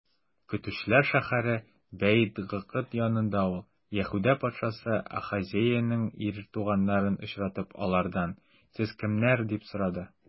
Көтүчеләр шәһәре Бәйт-Гыкыд янында ул, Яһүдә патшасы Ахазеянең ир туганнарын очратып, алардан: сез кемнәр? - дип сорады.